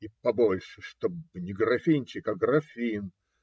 И побольше, чтобы не графинчик, а графин.